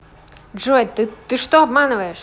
джой ты ты что обманываешь